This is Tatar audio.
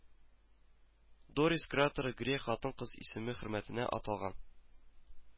Дорис кратеры грек хатын-кыз исеме хөрмәтенә аталган